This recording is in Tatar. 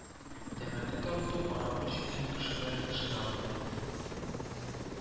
Тәмәке тарту, аракы эчүдән кешеләр ешрак үлә